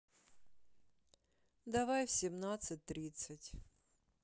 давай в семнадцать тридцать